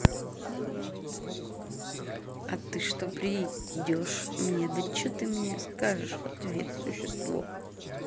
а ты что придешь мне да че ты мне скажешь ответ существо